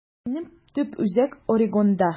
Минем төп үзәк Орегонда.